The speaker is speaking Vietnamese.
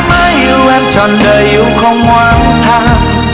yêu em trọn đời yêu không oán than